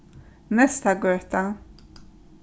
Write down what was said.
neystagøta